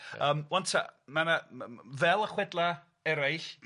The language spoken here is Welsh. Yym 'wan ta ma' 'na m- m- fel y chwedla eraill